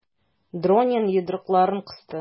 Доронин йодрыкларын кысты.